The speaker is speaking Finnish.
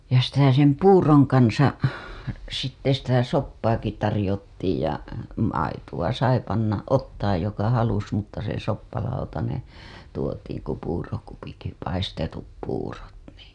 ja sitä sen puuron kanssa sitten sitä soppaakin tarjottiin ja maitoa sai panna ottaa joka halusi mutta se soppalautanen tuotiin kun puurokupitkin paistetut puurot niin